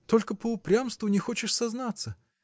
Только по упрямству не хочешь сознаться.